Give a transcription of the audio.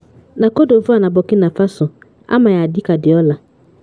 Na Cote d'Ivoire na Burkina Faso, a ma ya dịka Dioula.